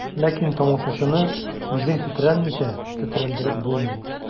Ләкин тамашачыны үзең тетрәнмичә тетрәндереп булмый.